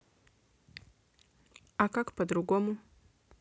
а как по другому